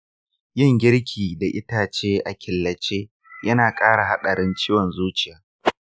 yin girki da itace a killace ya na ƙara haɗarin ciwon zuciyarku